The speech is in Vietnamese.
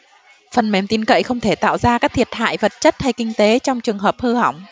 phần mềm tin cậy không thể tạo ra các thiệt hại vật chất hay kinh tế trong trường hợp hư hỏng